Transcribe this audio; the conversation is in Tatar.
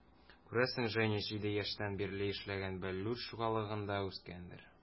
Күрәсең, Женя 7 яшьтән бирле эшләгән "Бәллүр" шугалагында үскәндер.